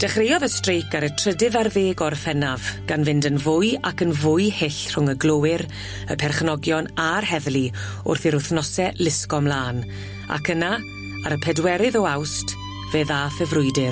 Dechreuodd y streic ar y trydydd ar ddeg o Orffennaf, gan fynd yn fwy ac yn fwy hyll rhwng y glowyr y perchnogion a'r heddlu wrth i'r wthnose lusgo mlan ac yna, ar y pedwerydd o Awst, fe ddath y frwydyr.